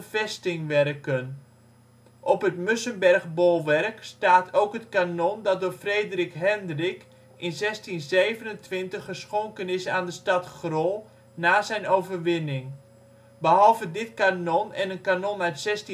vestingwerken. Op het Mussenbergbolwerk staat ook het kanon dat door Frederik Hendrik in 1627 geschonken is aan de stad Grol na zijn overwinning. Behalve dit kanon en een kanon